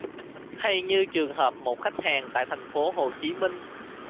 hay như trường hợp một khách hàng tại thành phố hồ chí minh